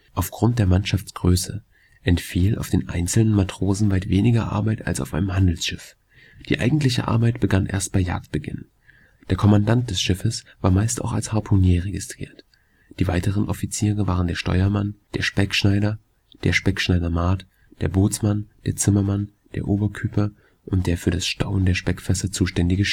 Aufgrund der Mannschaftsgröße entfiel auf den einzelnen Matrosen weit weniger Arbeit als auf einem Handelsschiff. Die eigentliche Arbeit begann erst bei Jagdbeginn. Der Kommandant des Schiffes war meist auch als Harpunier registriert. Die weiteren Offiziere waren der Steuermann, der Speckschneider, der Speckschneidermaat, der Bootsmann, der Zimmermann, der Oberküper und der für das Stauen der Speckfässer zuständige